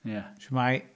Ie... Shwmae?